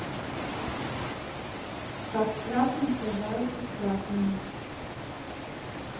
как красный сажаются с красными